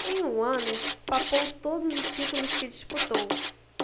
em um ano papou todos os títulos que disputou